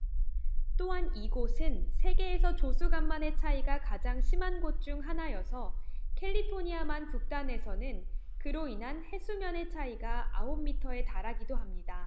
또한 이곳은 세계에서 조수 간만의 차이가 가장 심한 곳 중 하나여서 캘리포니아 만 북단에서는 그로 인한 해수면의 차이가 아홉 미터에 달하기도 합니다